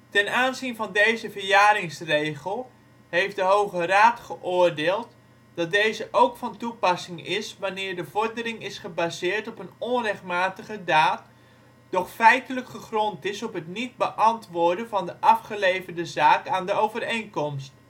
Ten aanzien van deze verjaringsregel heeft de Hoge Raad geoordeeld dat deze ook van toepassing is wanneer de vordering is gebaseerd op een onrechtmatige daad, doch feitelijk gegrond is op het niet beantwoorden van de afgeleverde zaak aan de overeenkomst